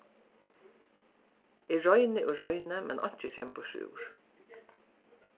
eg royni og royni men einki kemur burturúr